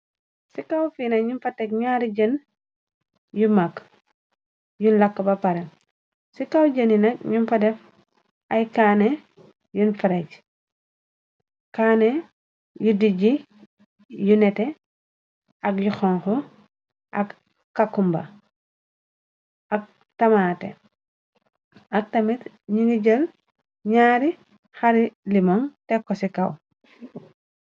Ci kaw fiina ñum fa tek ñyaari jën yu mag yuñ làkk ba pare ci kaw jëni nak ñum fa def ay kanne yun frej kanne yu dijji yu nete ak yu xonku ak kakumba ak tamate ak tamit ñi ngi jël ñaari xari limoŋ tek ko ci kaw.